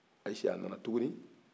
ayise a nana tuguni